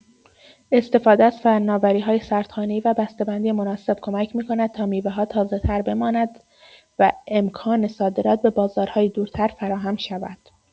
استفاده از فناوری‌های سردخانه‌ای و بسته‌بندی مناسب کمک می‌کند تا میوه‌ها تازه‌تر بمانند و امکان صادرات به بازارهای دورتر فراهم شود.